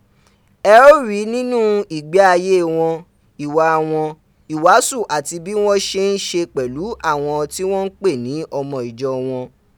e o ri ninu igbe aye won, iwa won, iwaasu ati bi won se n se pelu awon ti won pe ni omo ijo won.